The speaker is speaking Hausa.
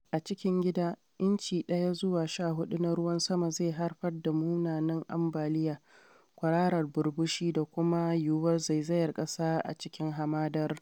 A cikin gida, inci 1 zuwa 14 na ruwan sama zai haifar da mummunan ambaliya, kwararar ɓurɓushi da kuma yiwuwar zaizayar ƙasa a cikin hamadar.